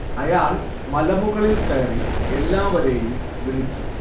അയാൾ മലമുകളിൽ കയറി എല്ലാവരെയും വിളിച്ചു